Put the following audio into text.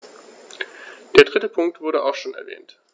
Der dritte Punkt wurde auch schon erwähnt.